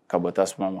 Kabata tasuma suma ma